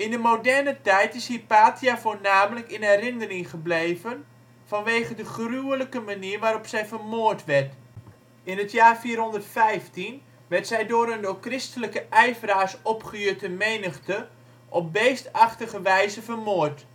de moderne tijd is Hypatia voornamelijk in herinnering gebleven vanwege de gruwelijke manier waarop zij vermoord werd. In het jaar 415 werd zij door een door christelijke ijveraars opgejutte menigte op beestachtige wijze vermoord